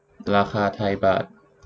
ราคาไทยบาท